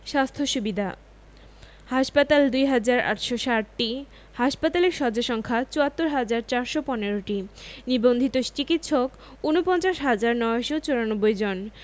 স্বাস্থ্য সুবিধাঃ হাসপাতাল ২হাজার ৮৬০টি হাসপাতালের শয্যা সংখ্যা ৭৪হাজার ৪১৫টি নিবন্ধিত চিকিৎসক ৪৯হাজার ৯৯৪ জন